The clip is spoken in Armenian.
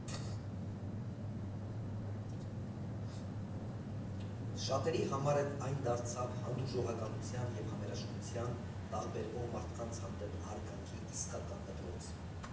Շատերի համար էլ այն դարձավ հանդուրժողականության և համերաշխության, տարբերվող մարդկանց հանդեպ հարգանքի իսկական դպրոց։